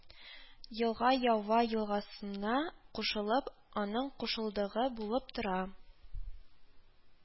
Елга Яйва елгасына кушылып, аның кушылдыгы булып тора